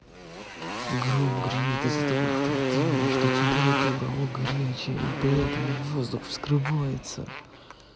гром гремит из за того что вот именно что температура о горячая и поэтому воздух вскрывается